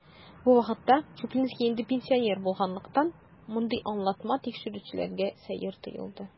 Бу вакытка Чуплинский инде пенсионер булганлыктан, мондый аңлатма тикшерүчеләргә сәер тоелды.